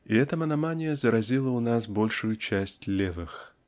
И эта мономания заразила у нас большую часть "левых".